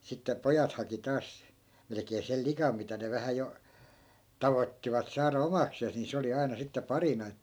sitten pojat haki taas melkein sen likan mitä ne vähän jo tavoittivat saada omakseen niin se oli aina sitten parina että